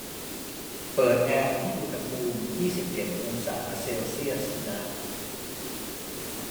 เปิดแอร์ที่อุณหภูมิยี่สิบเจ็ดองศาเซลเซียสนะ